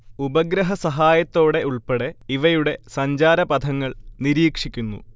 ഉപഗ്രഹ സഹായത്തോടെ ഉൾപ്പെടെ ഇവയുടെ സഞ്ചാരപഥങ്ങൾ നിരീക്ഷിക്കുന്നു